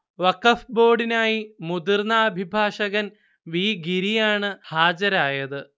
വഖഫ് ബോർഡിനായി മുതിർന്ന അഭിഭാഷകൻ വി ഗിരിയാണ് ഹാജരായത്